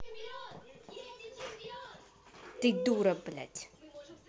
ты дура блять